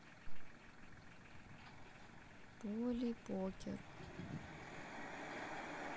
поли покер